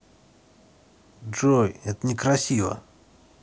джой это некрасиво